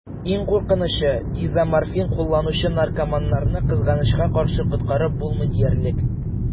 Иң куркынычы: дезоморфин кулланучы наркоманнарны, кызганычка каршы, коткарып булмый диярлек.